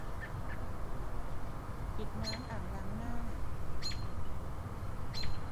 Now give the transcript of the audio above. ปิดน้ำอ่างล้างหน้า